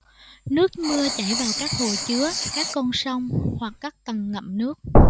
nước mưa chảy vào các hồ chứa các con sông hoặc các tầng ngậm nước